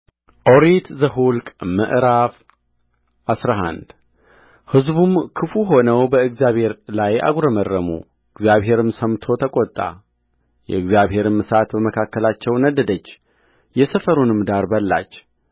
ኦሪት ዘኍልቍ ምዕራፍ አስራ አንድ ሕዝቡም ክፉ ሆነው በእግዚአብሔር ላይ አጕረመረሙ እግዚአብሔርም ሰምቶ ተቈጣ የእግዚአብሔርም እሳት በመካከላቸው ነደደች የሰፈሩንም ዳር በላች